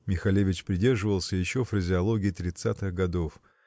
(Михалевич придерживался еще фразеологии тридцатых годов.